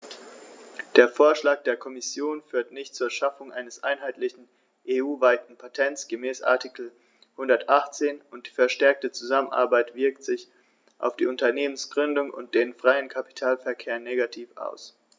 Der Vorschlag der Kommission führt nicht zur Schaffung eines einheitlichen, EU-weiten Patents gemäß Artikel 118, und die verstärkte Zusammenarbeit wirkt sich auf die Unternehmensgründung und den freien Kapitalverkehr negativ aus.